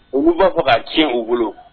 Olu b'a fɛ k'a tiɲɛ u bolo